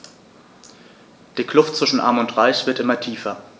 Die Kluft zwischen Arm und Reich wird immer tiefer.